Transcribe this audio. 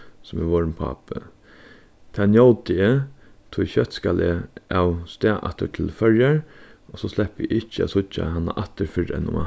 sum er vorðin pápi tað njóti eg tí skjótt skal eg avstað aftur til føroyar og so sleppi eg ikki at síggja hana aftur fyrr enn um